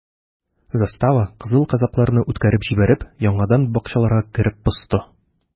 Застава, кызыл казакларны үткәреп җибәреп, яңадан бакчаларга кереп посты.